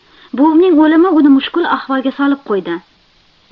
buvimning o'limi uni mushkul ahvolga solib qo'ydi